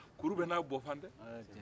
kuru bɛɛ n'a bɔfan